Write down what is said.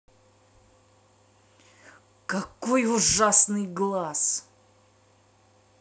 какой ужасный глаз